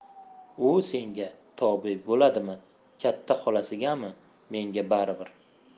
u senga tobe bo'ladimi katta xolasigami menga baribir